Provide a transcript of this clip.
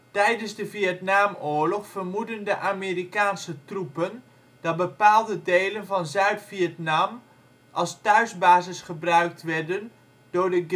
Tijdens de Vietnamoorlog vermoedden de Amerikaanse troepen dat bepaalde delen van Zuid-Vietnam als thuisbasis gebruikt werden door de